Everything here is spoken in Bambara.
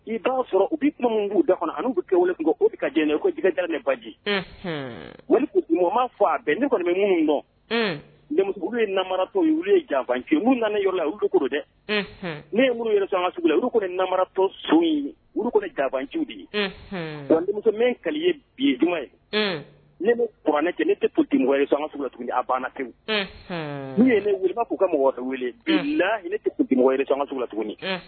I b'a sɔrɔ u bɛ min k'u da kɔnɔ bɛ kɛ wele jɛ ko jɛgɛja ne baji fɔ a bɛn ne kɔni minnu dɔn ye natɔ ye janci nana yɔrɔ la dugu dɛ ne ye muru yɛrɛ san sugu la olu namaratɔ so jaci de ye bɔn denmuso min ka ye bi ye j ye ne bɛ pɛ kɛ ne tɛ tu wɛrɛ sanla tuguni a banna n ye ne wuliba'u ka mɔgɔfɛ wele la ne tɛ sansula tuguni